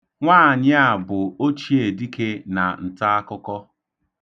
Nwaanyị a bụ ochiedike na ntaakukọ.